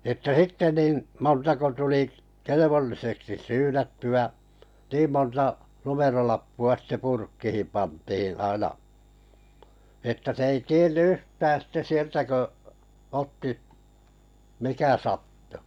että sitten niin montako tuli kelvolliseksi syynättyä niin monta numerolappua sitten purkkiin pantiin aina että se ei tiennyt yhtään sitten sieltä kun otti mikä sattui